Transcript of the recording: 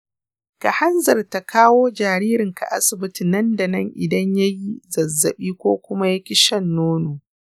ka hanzarta kawo jaririnka asibiti nan da nan idan ya yi zazzabi ko kuma ya ƙi shan nono